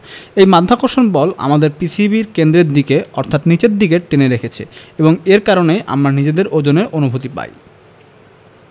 এই মাধ্যাকর্ষণ বল আমাদের পৃথিবীর কেন্দ্রের দিকে অর্থাৎ নিচের দিকে টেনে রেখেছে এবং এর কারণেই আমরা নিজেদের ওজনের অনুভূতি পাই